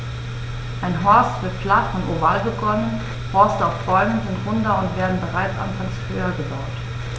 Ein Horst wird flach und oval begonnen, Horste auf Bäumen sind runder und werden bereits anfangs höher gebaut.